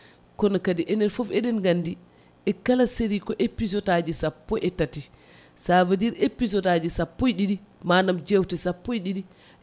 kono kadi enen foof eɗen gandi e kala série ko épisodes taji sappo e tatai ça veut dire épisodes aji sappo e ɗiɗi manam sappo e ɗiɗi